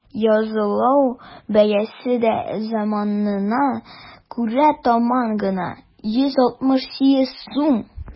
Язылу бәясе дә заманына күрә таман гына: 168 сум.